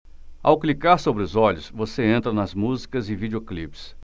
ao clicar sobre os olhos você entra nas músicas e videoclipes